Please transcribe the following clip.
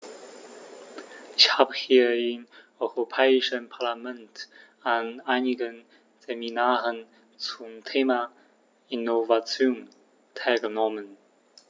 Ich habe hier im Europäischen Parlament an einigen Seminaren zum Thema "Innovation" teilgenommen.